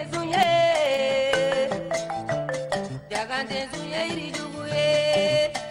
Denkun jadenkun numu ye